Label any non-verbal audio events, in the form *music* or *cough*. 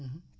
*hesitation* *hesitation*